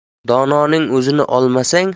dononing o'zini olmasang